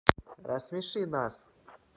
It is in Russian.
рассмеши нас